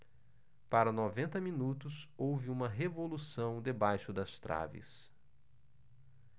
para noventa minutos houve uma revolução debaixo das traves